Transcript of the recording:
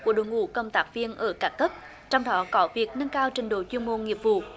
của đội ngũ cộng tác viên ở các cấp trong đó có việc nâng cao trình độ chuyên môn nghiệp vụ